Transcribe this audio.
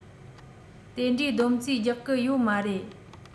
དེ འདྲའི སྡོམ རྩིས རྒྱགས གི ཡོད མ རེད